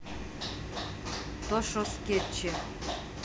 то шо скетчи